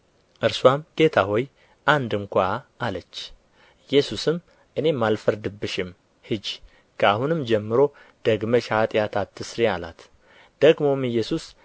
እርስዋም ጌታ ሆይ አንድ ስንኳ አለች ኢየሱስም እኔም አልፈርድብሽም ሂጂ ከአሁንም ጀምሮ ደግመሽ ኃጢአት አትሥሪ አላት ደግሞም ኢየሱስ